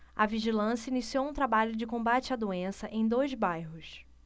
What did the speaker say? a vigilância iniciou um trabalho de combate à doença em dois bairros